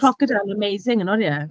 Crocodeil yn amazing yno, ie.